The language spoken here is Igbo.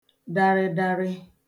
darịdarị